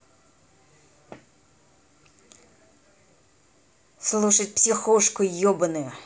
слушать психушку ебаную